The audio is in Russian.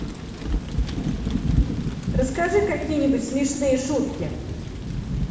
расскажи какие нибудь смешные шутки